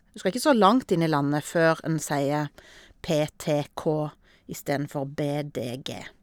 Du skal ikke så langt inn i landet før en sier p, t, k, istedenfor b, d, g.